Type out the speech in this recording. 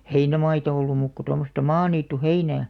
heinämaita ollut muuta kuin tuommoista maaniittyheinää